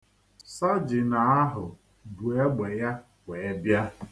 Sajin ahụ bu egbe ya wee bịa.